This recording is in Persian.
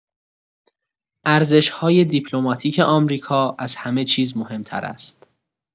ارزش‌های دیپلماتیک آمریکا از همه چیز مهمتر است.